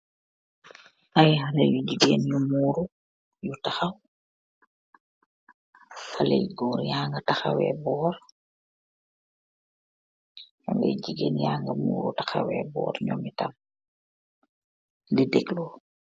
Aiy haleh yu jigen yu muru yu takhaw, haleh yu goor yanga takhaweh borr, haleh yu jigen yanga muru takhaweh borr nyomi tam, di deglu .